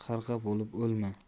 qarg'a bo'lib o'lma